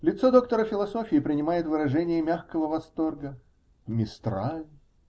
Лицо доктора философии принимает выражение мягкого восторга. Мистраль!